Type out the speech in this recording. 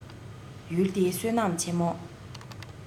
ཡུལ འདི བསོད ནམས ཆེན པོ